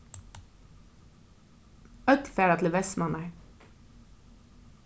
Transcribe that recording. øll fara til vestmannar